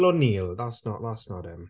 O'Neill. That's no- that's not him.